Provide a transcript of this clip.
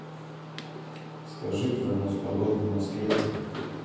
скажи прогноз погоды в москве